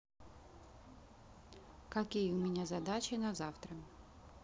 какие у меня задачи на завтра